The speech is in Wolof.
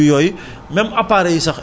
wala bëgg nga aussi ku la tette